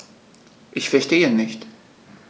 Ich verstehe nicht.